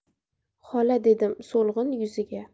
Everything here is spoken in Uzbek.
xola dedim so'lg'in yuziga